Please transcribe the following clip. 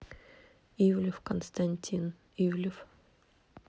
ивлев константин ивлев